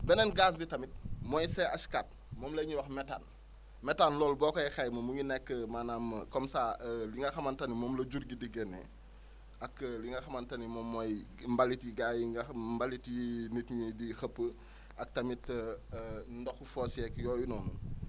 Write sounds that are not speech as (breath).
beneen gaz bi tamit mooy CH4 moom la ñuy wax métane métane loolu boo koy xayma mu ngi nekke maanaam comme ça (hesitation) li nga xamante ni moom la jur gi di génne ak li nga xamante ni moom mooy mbalit yi gars yi nga xam mbalit yi nit ñi di xëpp (breath) ak tamit (hesitation) ndoxu fosse yeeg yooyu noonu